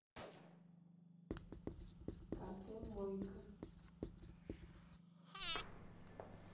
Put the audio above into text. котэ мойка